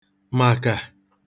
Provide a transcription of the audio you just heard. maka